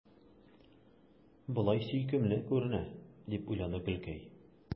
Болай сөйкемле күренә, – дип уйлады Гөлкәй.